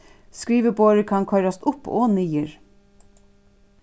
skriviborðið kann koyrast upp og niður